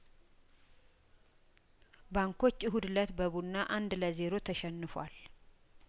ባንኮች እሁድ እለት በቡና አንድ ለዜሮ ተሸንፏል